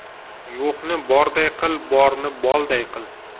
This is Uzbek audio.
yo'qni borday qil borni bolday qil